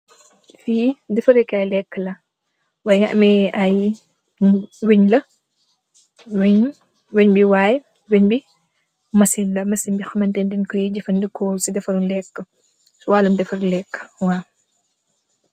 Fee defarekay leka la muge ameh aye wench la wench bi y wench bi machine la machine bu hamne dank ku de jefaneku se defarr lekau se walum defarr lekau waw.